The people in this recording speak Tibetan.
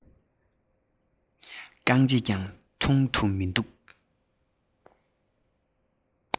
རྐང རྗེས ཀྱང མཐོང དུ མི འདུག